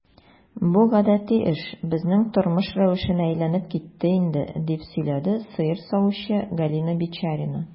Бу гадәти эш, безнең тормыш рәвешенә әйләнеп китте инде, - дип сөйләде сыер савучы Галина Бичарина.